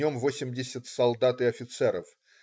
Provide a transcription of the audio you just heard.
В нем восемьдесят солдат и офицеров.